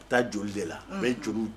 U bɛ taa joli de la mɛ juru